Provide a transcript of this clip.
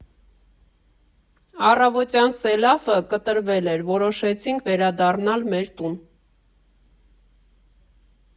Առավոտյան սելավը կտրվել էր, որոշեցինք վերադառնալ մեր տուն։